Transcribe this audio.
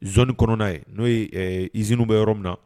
Zone kɔnɔ na ye. N'o ye ɛɛ usines bɛ yɔrɔ min na